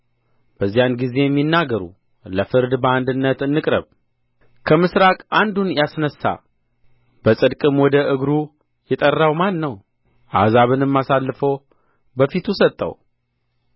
በዚያን ጊዜም ይናገሩ ለፍርድ ለአንድነት እንቅረብ ከምሥራቅ አንዱን ያስነሣ በጽድቅም ወደ እግሩ የተጠራው ማን ነው አሕዛብንም አሳልፎ በፊቱ ሰጠው